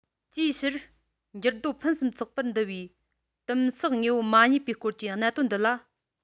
ཅིའི ཕྱིར འགྱུར རྡོ ཕུན སུམ ཚོགས པར འདུ བའི དིམ བསགས དངོས པོ མ རྙེད པའི སྐོར གྱི གནད དོན འདི ལ